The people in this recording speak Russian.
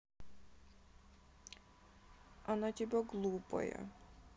она тебя глупая